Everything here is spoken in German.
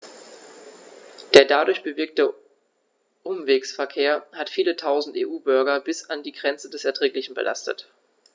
Der dadurch bewirkte Umwegsverkehr hat viele Tausend EU-Bürger bis an die Grenze des Erträglichen belastet.